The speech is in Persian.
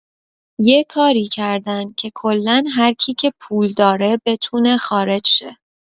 یه کاری کردن که کلا هر کی که پول داره بتونه خارج شه.